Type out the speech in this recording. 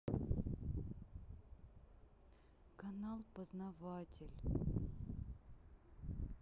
канал познаватель